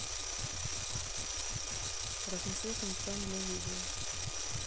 разноцветный экран для видео